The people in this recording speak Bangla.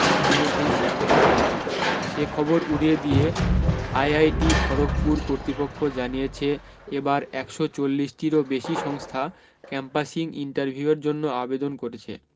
ইতিমধ্যেই সিদ্ধান্ত হয়েছে সে খবর উড়িয়ে দিয়ে আইআইটি খড়গপুর কর্তৃপক্ষ জানিয়েছে এবার একশ চল্লিশ টিরও বেশী সংস্থা ক্যাম্পাসিং ইন্টারভিউয়ের জন্য আবেদন করেছে